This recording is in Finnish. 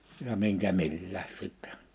ja minkä milläkin sitten